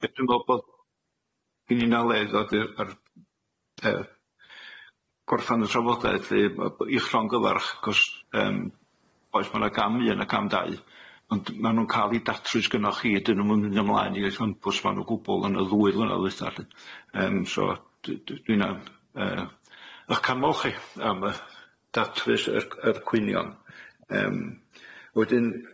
Ie dwi'n gwel bo' gin inna le ddod ir y- yr y- gorffan y trafodaeth i- i'ch llongyfarch chos yym oes ma' na gam un a cam dau ond ma' nhw'n ca'l eu datrys gynnoch chi a dyn nw'm yn myn' ymlaen i'r chwynbwys ma' nw gwbwl yn y ddwy flynadd ddwytha lly yym so d- d- dwi'nna y- y- ych canmol chi am y- datrys yr c- yr cwynion yym wedyn.